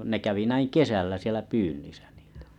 ne kävi näin kesällä siellä pyynnissä niitä